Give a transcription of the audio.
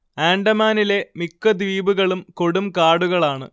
ആൻഡമാനിലെ മിക്ക ദ്വീപുകളും കൊടുംകാടുകളാണ്